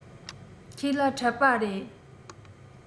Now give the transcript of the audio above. ཁོས ལ འཁྲབ པ རེད